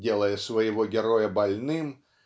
делая своего героя больным